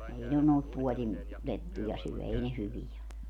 ei ne noita puodin lettuja syö ei ne hyviä ole